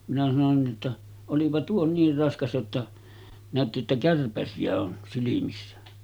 minä sanoin niin jotta olipa tuo niin raskas jotta näytti jotta kärpäsiä on silmissä